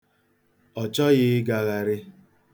Ọ chọghị ịgagharị.